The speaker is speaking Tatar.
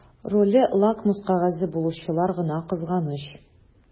Роле лакмус кәгазе булучылар гына кызганыч.